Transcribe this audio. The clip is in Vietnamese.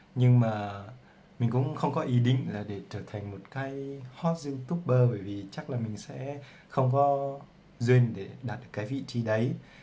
mình cũng không có ý định trở thành hot youtuber đâu chắc là mình không có duyên để đạt được vị trí đấy